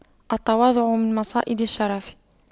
التواضع من مصائد الشرف